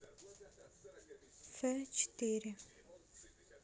ф четыре